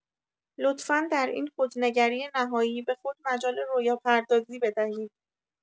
لطفا در این خودنگری نهایی به خود مجال رویاپردازی بدهید.